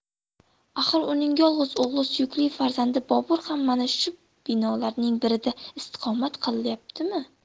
axir uning yolg'iz o'g'li suyukli farzandi bobur ham mana shu binolarning birida istiqomat qilmayaptimi